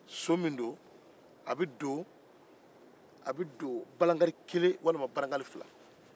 a so bɛ don barankali kelen walima fila la